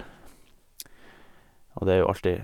Og det er jo alltid...